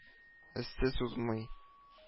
Эзсез узмый